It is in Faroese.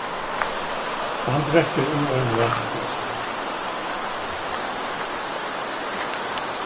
hann drekkur úr eini vatnfløsku